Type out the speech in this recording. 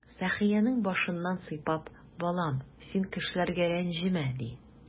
Сәхиянең башыннан сыйпап: "Балам, син кешеләргә рәнҗемә",— ди.